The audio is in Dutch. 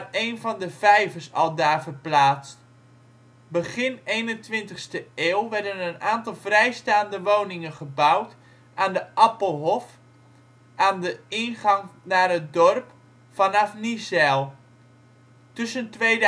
een van de vijvers aldaar verplaatst. Begin 21e eeuw werden een aantal vrijstaande woningen gebouwd aan de ' Appelhof ' aan de ingang naar het dorp vanaf Niezijl. Tussen 2003